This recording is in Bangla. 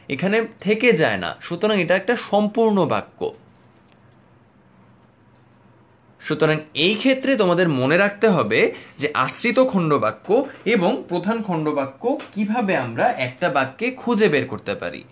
এখানে থেকে যায় না সুতরাং এটা একটা সম্পূর্ণ বাক্য সুতরাং এই ক্ষেত্রে তোমাদের মনে রাখতে হবে যে আশ্রিত খন্ডবাক্য এবং প্রধান খণ্ড বাক্য কিভাবে আমরা একটা বাক্যে খুঁজে বের করতে পারি